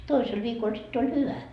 toisella viikolla sitten oli hyvä